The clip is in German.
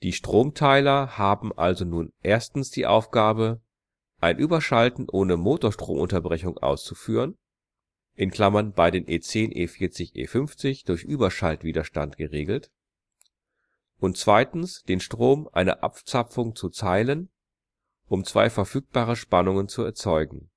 Stromteiler haben also nun erstens die Aufgabe, ein Überschalten ohne Motorstromunterbrechung auszuführen (bei den E 10/E 40/E 50 durch Überschaltwiderstand geregelt), und zweitens den Strom einer Anzapfung zu teilen, um zwei verfügbare Spannungen zu erzeugen